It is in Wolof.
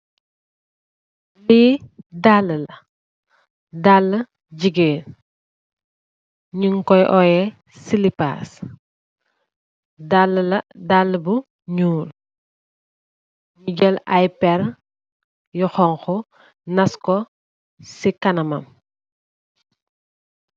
Li dalla la, dalla gigeen ñung Koy óyeh silipàs. Dalla bu ñuul nuh jél ay péér yu xonxu nas ko ci kanam.